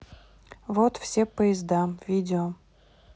вот все поезда видео